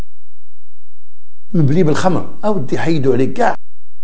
الخمر اودي اي دوله